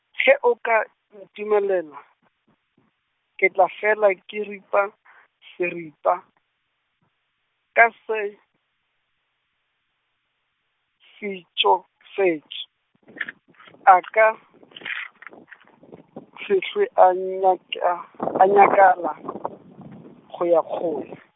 ge o ka ntumelela , ke tla fela ke ripa , seripa, ka se, fitšofetše, a ka, se hlwe, a nyaka, a nyaka, go ya kgole.